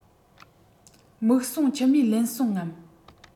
མིག ཟུང མཆི མས བརླན སོང ངམ